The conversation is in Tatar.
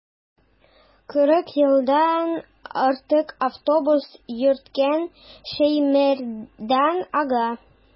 Кырык елдан артык автобус йөрткән Шәймәрдан ага.